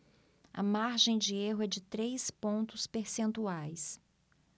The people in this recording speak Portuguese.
a margem de erro é de três pontos percentuais